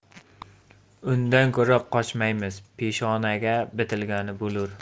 undan ko'ra qochmaymiz peshonaga bitilgani bo'lur